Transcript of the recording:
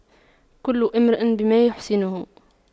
كل امرئ بما يحسنه